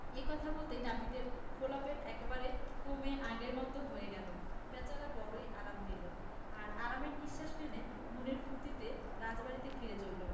এই কথা বলতেই নাপিতের ফোলা পেট একেবারে কমে আগেকার মতো হয়ে গেল বেচারা বড়োই আরাম পেল এক আরামের নিঃশ্বাস ফেলে মনের ফুর্তিতে রাজবাড়িতে ফিরে চলল